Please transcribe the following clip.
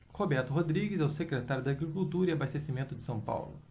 roberto rodrigues é secretário da agricultura e abastecimento de são paulo